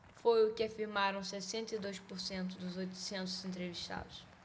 foi o que afirmaram sessenta e dois por cento dos oitocentos entrevistados